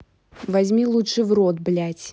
возьми лучше в рот блять